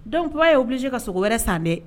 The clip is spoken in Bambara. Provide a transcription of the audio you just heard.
Dɔnku kiba y'u bilisi ka sogo wɛrɛ san dɛ